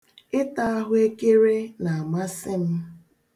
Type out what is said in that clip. Ịta ahụekere na-amasị m.